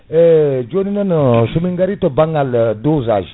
e joni non somin gari to banggal dosage